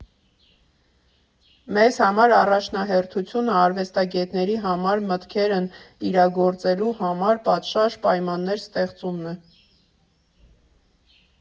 Մեզ համար առաջնահերթությունը արվեստագետների համար՝ մտքերն իրագործելու համար պատշաճ պայմանների ստեղծումն է։